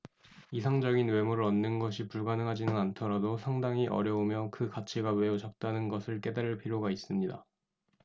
이상적인 외모를 얻는 것이 불가능하지는 않더라도 상당히 어려우며 그 가치가 매우 적다는 것을 깨달을 필요가 있습니다